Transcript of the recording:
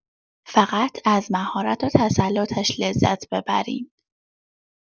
فقط از مهارت و تسلطش لذت ببرین